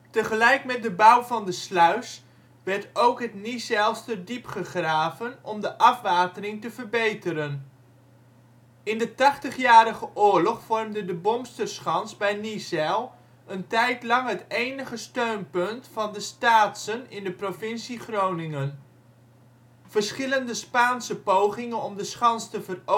Tegelijk met de bouw van de sluis werd ook het Niezijlsterdiep gegraven om de afwatering te verbeteren. In de tachtigjarige oorlog vormde de Bomsterschans bij Niezijl een tijdlang het enige steunpunt van de Staatsen in de provincie Groningen. Verschillende Spaanse pogingen om de schans te veroveren